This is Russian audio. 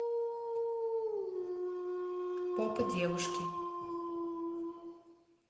попа девушки